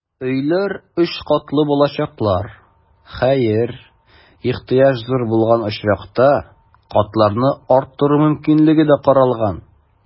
Өйләр өч катлы булачаклар, хәер, ихтыяҗ зур булган очракта, катларны арттыру мөмкинлеге дә каралган.